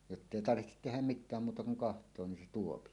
jotta ei tarvitse tehdä mitään muuta kuin katsoa niin se tuo